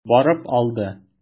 Барып алды.